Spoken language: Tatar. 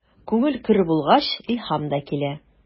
Күңел көр булгач, илһам да килә.